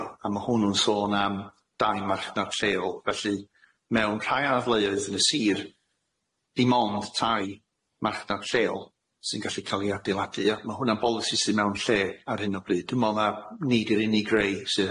o, a ma' hwnnw'n sôn am dai marchnad lleol felly mewn rhai arfleuydd yn y Sir dim ond tai marchnad lleol sy'n gallu ca'l i adeiladu a ma' hwnna'n bolisi sy mewn lle ar hyn o bryd dwi me'wl ma' ni di'r unig rei sydd